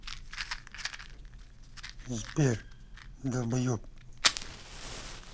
сбер долбоеб